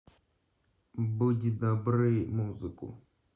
будь добры музыку